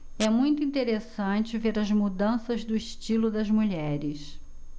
é muito interessante ver as mudanças do estilo das mulheres